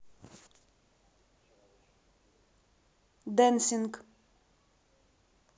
dancing